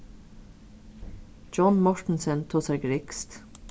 john mortensen tosar grikskt